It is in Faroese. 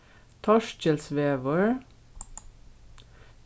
torkilsvegur